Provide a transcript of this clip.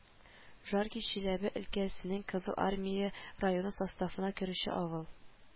Жарки Чиләбе өлкәсенең Кызыл Армия районы составына керүче авыл